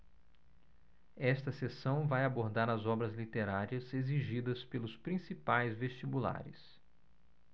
esta seção vai abordar as obras literárias exigidas pelos principais vestibulares